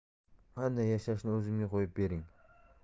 qanday yashashni o'zimga qo'yib bering